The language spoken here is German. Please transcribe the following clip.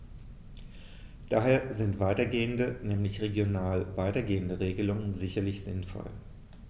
Daher sind weitergehende, nämlich regional weitergehende Regelungen sicherlich sinnvoll.